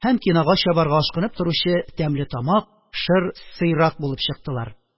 Һәм кинога чабарга ашкынып торучы тәмлетамак, шыр сыйрак булып чыктылар